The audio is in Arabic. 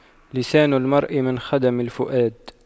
لسان المرء من خدم الفؤاد